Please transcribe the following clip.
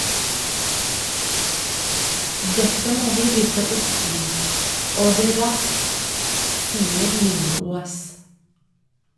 - Dette må vi rydde opp i, og det raskt, sier Lyngås.